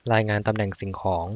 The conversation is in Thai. รายงานตำแหน่งสิ่งของ